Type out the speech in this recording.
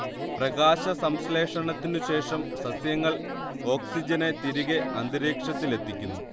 പ്രകാശ സംശ്ലേഷണത്തിനു ശേഷം സസ്യങ്ങൾ ഓക്സിജനെ തിരികെ അന്തരീക്ഷത്തിലെത്തിക്കുന്നു